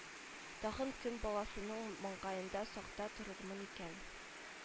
Тагын кем баласының маңгаенда сакта торырмын икән